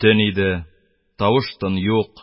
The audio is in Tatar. Төн иде, тавыш-тын юк